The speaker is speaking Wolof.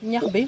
ñax bi